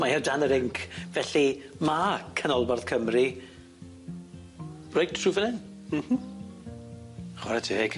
Mae o dan yr inc felly ma' canolbarth Cymru reit trw fan 'yn. M-hm. Chware teg.